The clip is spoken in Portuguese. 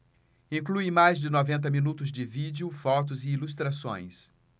inclui mais de noventa minutos de vídeo fotos e ilustrações